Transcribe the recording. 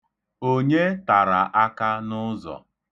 Onye tara aka n'ụzọ?